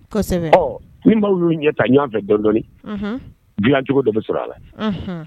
kosɛbɛ Ɔ ni maaw yu ɲɛ ta ɲɔgɔn fɛ dɔɔni dɔɔni. Unhun Gilan cogo dɔ bi sɔrɔ a la.